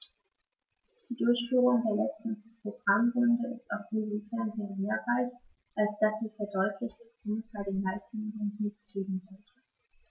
Die Durchführung der letzten Programmrunde ist auch insofern sehr lehrreich, als dass sie verdeutlicht, worum es bei den Leitlinien nicht gehen sollte.